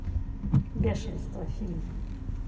бешенство фильм